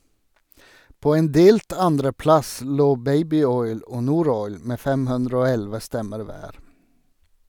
På en delt andreplass lå "Babyoil" og "Noroil" med 511 stemmer hver.